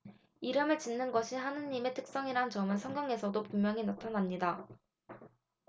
이름을 짓는 것이 하느님의 특성이라는 점은 성경에서도 분명히 나타납니다